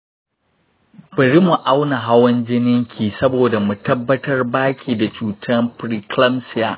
bari mu auna hawan jininki saboda mu tabbatar baki da cutan preeclampsia.